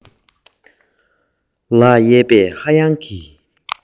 མཱེ མཱེ ཞེས སྐད སྔར ལས ཆེ བར བརྒྱབ